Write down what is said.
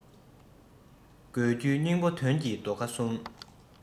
དགོས རྒྱུའི སྙིང པོ དོན གྱི རྡོ ཁ གསུམ